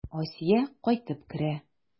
Асия кайтып керә.